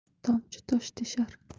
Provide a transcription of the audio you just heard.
tomchi tosh teshar